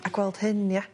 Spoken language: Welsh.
a gweld hyn ia.